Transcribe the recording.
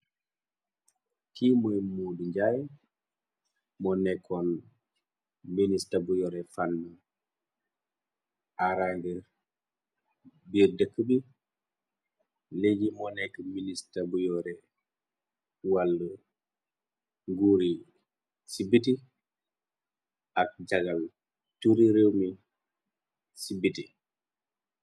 Ki moy Modou Njie moo nekkoon ministar bu yoore fann arangr biir dëkka bi léeji moo nekk ministar bu yoore wàll nguuri ci biti ak jagal turi réew mi ci biti.